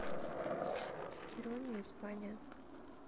ирония испания